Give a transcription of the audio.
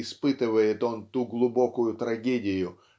испытывает он ту глубокую трагедию